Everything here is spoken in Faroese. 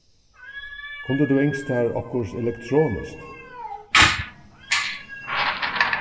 kundi tú ynskt tær okkurt elektroniskt